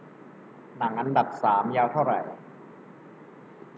หนังอันดับสามยาวเท่าไหร่